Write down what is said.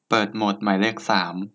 เปิดโหมดหมายเลขสาม